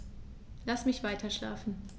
Lass mich weiterschlafen.